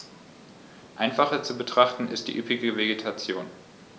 Einfacher zu betrachten ist die üppige Vegetation.